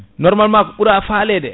normalement ko ɓuura faalede